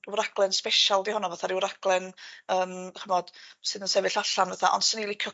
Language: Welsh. raglen sbesial 'di honno fatha ryw raglen yym 'dych ch'mod sydd yn sefyll allan fatha ond swn i licio